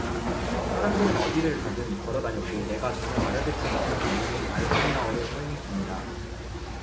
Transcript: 사람들은 어디를 가든 걸어 다녔고 내가 전혀 알아듣지 못하는 언어인 알바니아어를 사용했습니다